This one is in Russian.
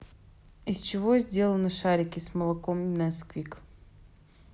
из чего сделаны шарики с молоком несквик